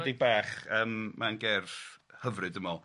...ychydig bach yym mae'n gerdd hyfryd dwi'n meddwl.